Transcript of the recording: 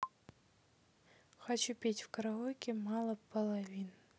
хочу петь в караоке мало половин